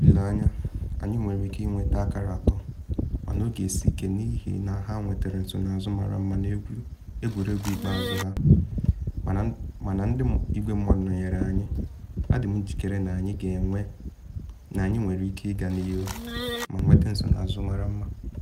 N’olile anya, anyị nwere ike ịnweta akara atọ mana ọ ga-esi ike n’ihi ha nwetara nsonaazụ mara mma n’egwuregwu ikpeazụ ha mana, ndị igwe mmadụ nọnyere anyị, adị m njikere na anyị nwere ike ịga n’ihu ma nweta nsonaazụ mara mma.